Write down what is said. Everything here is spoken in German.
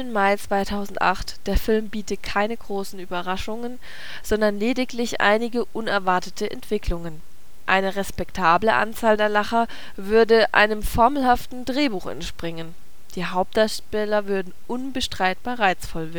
Mai 2008, der Film biete keine große Überraschungen, sondern lediglich einige unerwartete Entwicklungen. Eine „ respektable “Anzahl der Lacher würde einem formelhaften Drehbuch entspringen. Die Hauptdarsteller würden „ unbestreitbar reizvoll